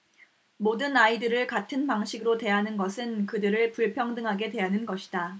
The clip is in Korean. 모든 아이들을 같은 방식으로 대하는 것은 그들을 불평등하게 대하는 것이다